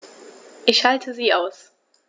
Ich schalte sie aus.